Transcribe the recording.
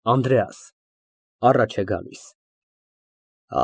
ԱՆԴՐԵԱՍ ֊ (Առաջ է գալիս)։